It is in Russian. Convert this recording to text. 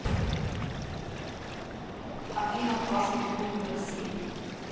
афина квас придумали в россии